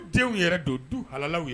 Denw yɛrɛ don du halalaww ye